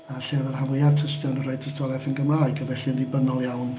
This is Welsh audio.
Yy lle oedd y rhan fwyaf o'r tystion yn rhoi tystiolaeth yn Gymraeg, ac felly yn ddibynnol iawn...